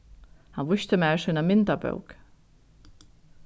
hann vísti mær sína myndabók